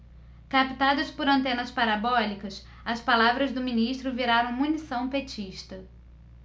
captadas por antenas parabólicas as palavras do ministro viraram munição petista